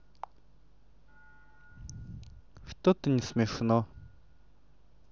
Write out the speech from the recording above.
что то не смешно